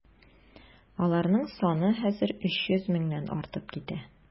Аларның саны хәзер 300 меңнән артып китә.